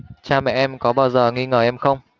cha mẹ em có bao giờ nghi ngờ em không